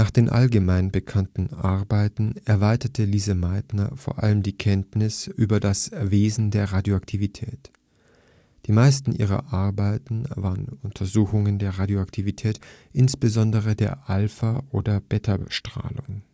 den allgemein bekannten Arbeiten erweiterte Lise Meitner vor allem die Kenntnis über das Wesen der Radioaktivität. Die meisten ihrer Arbeiten waren Untersuchungen der Radioaktivität, insbesondere der Alpha - und Betastrahlung